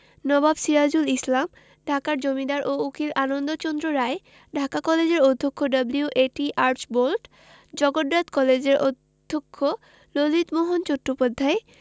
নবাব সিরাজুল ইসলাম ঢাকার জমিদার ও উকিল আনন্দচন্দ্র রায় ঢাকা কলেজের অধ্যক্ষ ডব্লিউ.এ.টি আর্চবোল্ড জগন্নাথ কলেজের অধ্যক্ষ ললিতমোহন চট্টোপাধ্যায়